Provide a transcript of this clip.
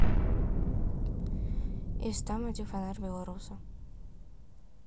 istamadi фонарь белорусы